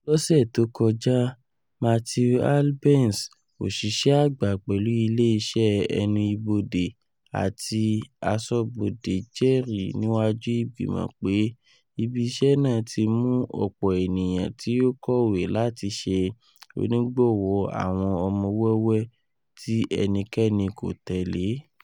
Lọsẹ to kọja, Matthew Albence, oṣiṣẹ agba pẹlu ile iṣẹ Ẹnubode ati Aṣọbode, jẹri niwaju Igbimọ pe ibiṣẹ naa ti mu ọpọ eniyan ti o kọwe lati ṣe onigbọwọ awọn ọmọ wẹwẹ ti ẹnikẹni ko tẹle.